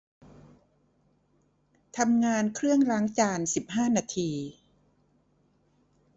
ทำงานเครื่องล้างจานสิบห้านาที